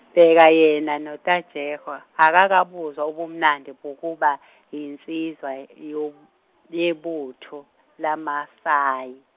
bheka yena no Tajewo akakabuzwa ubumnandi bokuba yinsizwa yo- yebutho lamaMasayi.